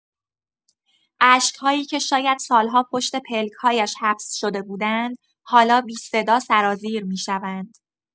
اشک‌هایی که شاید سال‌ها پشت پلک‌هایش حبس شده بودند، حالا بی‌صدا سرازیر می‌شوند.